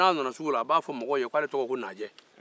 n'a nana sugu la a b'a fɔ maa ye k'ale tɔgɔ ye ko naajɛ